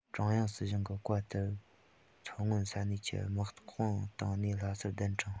ཀྲུང དབྱང སྲིད གཞུང གི བཀའ ལྟར མཚོ སྔོན ས གནས ཀྱིས དམག དཔུང བཏང ནས ལྷ སར གདན དྲངས